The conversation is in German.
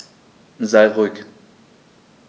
Sei ruhig.